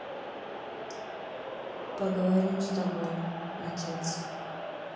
поговорим с тобой отец